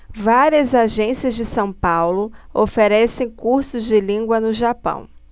várias agências de são paulo oferecem cursos de língua no japão